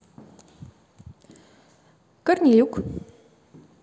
корнелюк